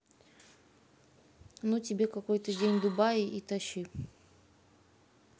ну тебе какой то день дубаи и тащи